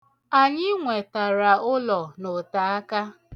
Anyị nwetara ụlọ n'otaaka.